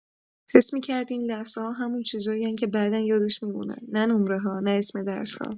حس می‌کرد این لحظه‌ها همون چیزایی‌ان که بعدا یادش می‌مونن، نه نمره‌ها، نه اسم درس‌ها.